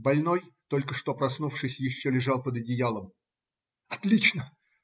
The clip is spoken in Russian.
Больной, только что проснувшись, еще лежал под одеялом. - Отлично!